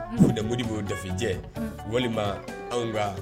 ' debo bɛ'o dɔfejɛ walima anw ka